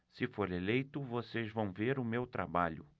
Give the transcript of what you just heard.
se for eleito vocês vão ver o meu trabalho